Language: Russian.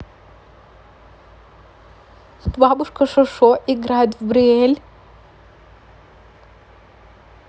бабушка шошо играет в brielle